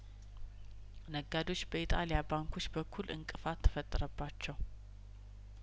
ነጋዴዎች በኢጣሊያ ባንኮች በኩል እንቅፋት ተፈጠረባቸው